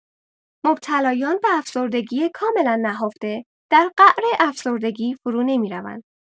مبتلایان به افسردگی کاملا نهفته در قعر افسردگی فرو نمی‌روند.